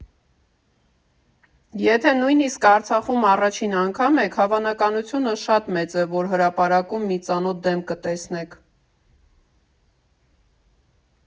Եթե նույնիսկ Արցախում առաջին անգամ եք, հավանականությունը շատ մեծ է, որ հրապարակում մի ծանոթ դեմք կտեսնեք։